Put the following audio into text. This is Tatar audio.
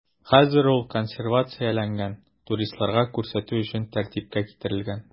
Хәзер ул консервацияләнгән, туристларга күрсәтү өчен тәртипкә китерелгән.